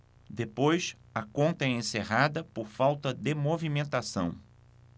depois a conta é encerrada por falta de movimentação